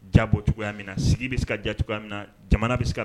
Jabo cogoyaya minɛ sigi bɛ ka ja cogoya minɛ jamana bɛ se